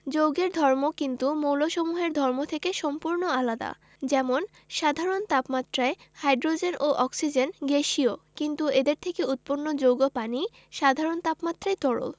যৌগের ধর্ম কিন্তু মৌলসমূহের ধর্ম থেকে সম্পূর্ণ আলাদা যেমন সাধারণ তাপমাত্রায় হাইড্রোজেন ও অক্সিজেন গ্যাসীয় কিন্তু এদের থেকে উৎপন্ন যৌগ পানি সাধারণ তাপমাত্রায় তরল